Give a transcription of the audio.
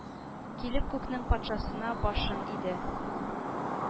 Килеп күкнең патшасына башын иде,